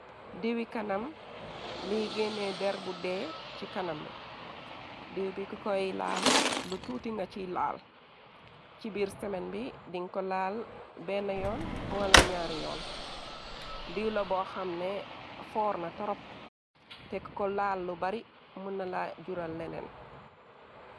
diiwi kanam liigéene der bu dee ci kanam be diiw bik koy laal lu tuuti nga ci laal ci biir semen bi diñ ko laal benn yoon wala ñaari yoon diiw la boo xamne foorna torop tek ko laal lu bari mënala jural leneen